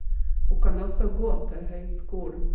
Hun kan også gå til høyskolen.